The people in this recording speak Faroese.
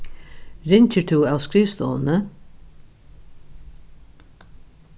ringir tú av skrivstovuni